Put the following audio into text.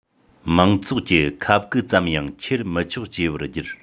མང ཚོགས ཀྱི ཁབ སྐུད ཙམ ཡང ཁྱེར མི ཆོག ཅེས པར བསྒྱུར